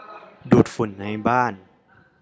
ดูดฝุ่นในบ้าน